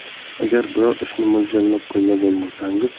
agar biror ishni mo'ljallab qo'ymagan